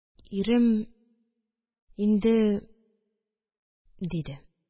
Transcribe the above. Ирем... инде... – диде.